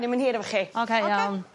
...ddim yn hir efo chi. Oce iawn.